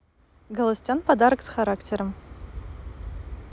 галустян подарок с характером